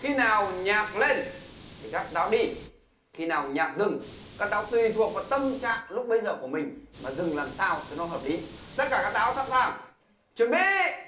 khi nào nhạc lên thì các táo đi khi nào nhạc dừng các táo tùy thuộc vào tâm trạng lúc bấy giờ của mình mà dừng làm sao cho hợp lý tất cả các táo sẵn sàng chuẩn bị